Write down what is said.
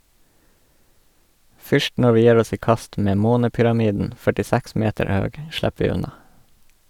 Fyrst når vi gjer oss i kast med månepyramiden, 46 meter høg, slepp vi unna.